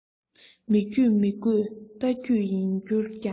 མི རྒྱུད མི དགོས ལྷ རྒྱུད ཡིན གྱུར ཀྱང